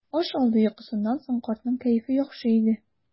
Аш алды йокысыннан соң картның кәефе яхшы иде.